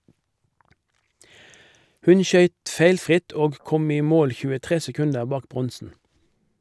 Hun skøyt feilfritt og kom i mål 23 sekunder bak bronsen.